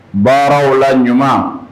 Baara la ɲuman